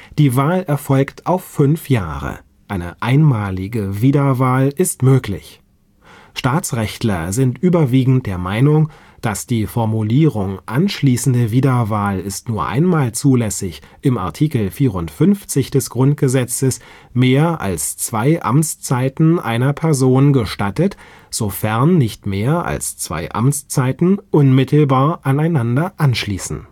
Die Wahl erfolgt auf fünf Jahre; eine einmalige Wiederwahl ist möglich. Staatsrechtler sind überwiegend der Meinung, dass die Formulierung „ Anschließende Wiederwahl ist nur einmal zulässig “im Art. 54 des Grundgesetzes mehr als zwei Amtszeiten einer Person gestattet, sofern nicht mehr als zwei Amtszeiten unmittelbar aneinander anschließen